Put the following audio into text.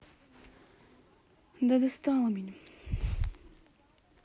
да достала меня